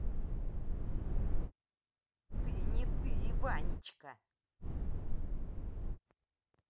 ты не ты ванечка